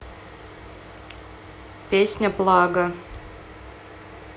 песня плага